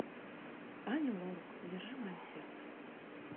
ани лорак удержи мое сердце